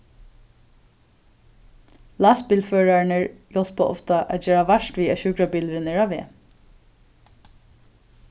lastbilførararnir hjálpa ofta at gera vart við at sjúkrabilurin er á veg